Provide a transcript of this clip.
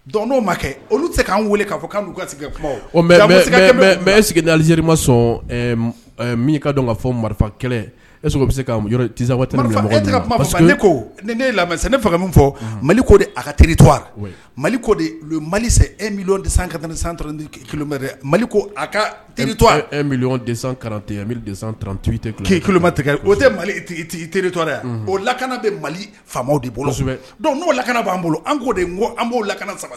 Don n'o ma kɛ olu tɛ k' weele mɛ e alilizri ma sɔn min ka dɔn ka fɔ marifa kɛlɛ e se ko ne ne fanga min fɔ mali ko de a ka t to mali ko mali e mi kate san mali ko a ka teri dete maliran ke o tɛ mali tigitigi teritɔ yan o lakana bɛ mali faw de bolobɛ n'o lakana b'an bolo k an b'o lakana saba